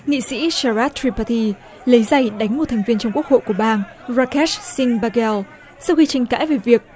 nghị sĩ sa vát chi va thi lấy giày đánh một thành viên trong quốc hội của bang ra két sin va gheo sau khi tranh cãi về việc